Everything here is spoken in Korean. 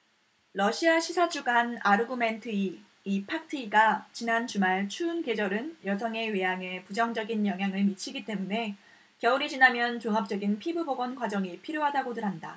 러시아 시사주간 아르구멘트이 이 팍트이가 지난 주말 추운 계절은 여성의 외양에 부정적인 영향을 미치기 때문에 겨울이 지나면 종합적인 피부 복원 과정이 필요하다고들 한다